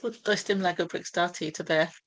Wel, does dim Lego bricks 'da ti, ta beth.